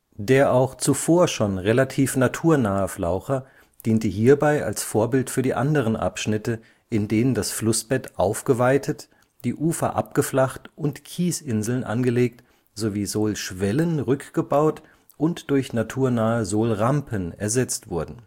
Der auch zuvor schon relativ naturnahe Flaucher diente hierbei als Vorbild für die anderen Abschnitte, in denen das Flussbett aufgeweitet, die Ufer abgeflacht und Kiesinseln angelegt sowie Sohlschwellen rückgebaut und durch naturnahe Sohlrampen ersetzt wurden